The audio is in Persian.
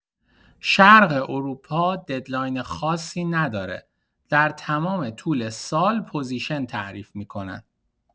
شرق اروپا ددلاین خاصی نداره در تمام طول سال پوزیشن تعریف می‌کنن.